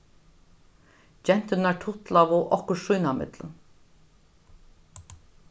genturnar tutlaðu okkurt sínámillum